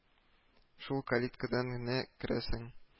Шул кәлиткәдән генә керәсең